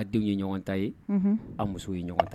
Ka denw ye ɲɔgɔn ta ye a muso ye ɲɔgɔn ta